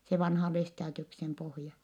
se vanha Lestadiuksen pohja